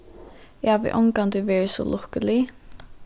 eg havi ongantíð verið so lukkulig